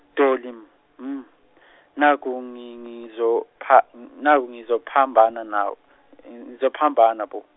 Dolly, Mmm naku ngi- ngizopha naku ngizophambana nawe ngizophambana bo.